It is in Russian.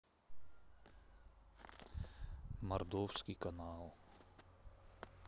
мордовский канал